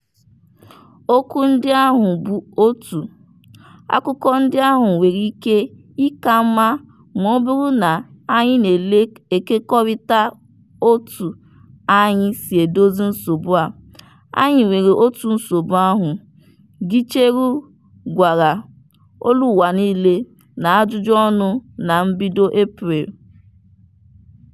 Okwu ndị ahụ bụ otu; akụkọ ndị ahụ nwere ike ịka mma ma ọ bụrụ na anyị na-ekekọrịta otu anyị si edozi nsogbu a; anyị nwere otu nsogbu ahụ," Gicheru gwara Global Voices n'ajụjụọnụ na mbido Eprel.